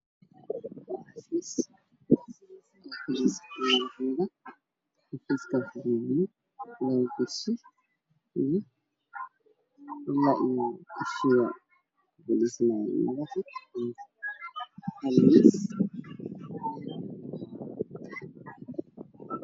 Waxaa ii muuqda qol ay ku jiraan laba kursi miis tobeleed labada dhinac saaran laba sawir mid waa madaxweyne xasan sheekh mid kalena waa uu madaxweynaha maamul goboleedyada